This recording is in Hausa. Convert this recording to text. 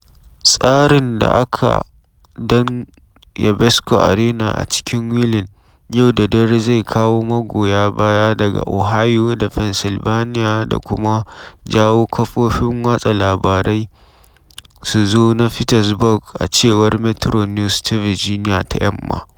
Tsarin da aka don Wesbanco Arena a cikin Wheeling, yau da dare zai kawo magoya baya daga "Ohio da Pennsylvania da kuma jawo kafofin watsa labarai su zo na Pittsburgh," a cewar Metro News ta Virginia ta Yamma.